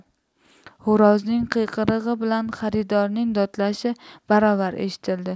xo'rozning qiyqirig'i bilan xaridorning dodlashi baravar eshitildi